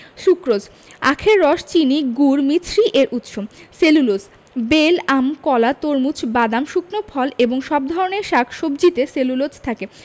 sucrose আখের রস চিনি গুড় মিছরি এর উৎস সেলুলোজ বেল আম কলা তরমুজ বাদাম শুকনো ফল এবং সব ধরনের শাক সবজিতে সেলুলোজ থাকে